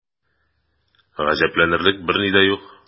Гаҗәпләнерлек берни дә юк.